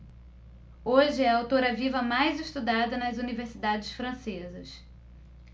hoje é a autora viva mais estudada nas universidades francesas